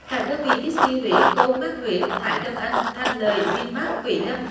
các đơn vị bích si huế com mác huế thải đông anh thành lợi vim mác quế lâm